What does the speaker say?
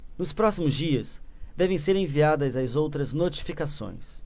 nos próximos dias devem ser enviadas as outras notificações